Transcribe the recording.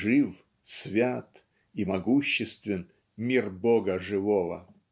жив свят и могуществен мир Бога живого".